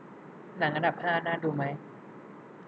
หนังอันดับห้าน่าดูไหม